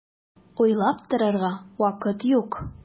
Уйлап торырга вакыт юк!